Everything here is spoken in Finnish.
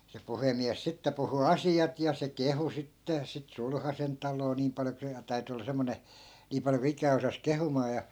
se puhemies sitten puhui asiat ja se kehui sitten sitten sulhasen taloa niin paljon kuin se ja täytyi olla semmoinen niin paljon kuin ikänä osasi kehumaan ja